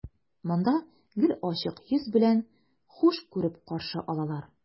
Монда гел ачык йөз белән, хуш күреп каршы алалар.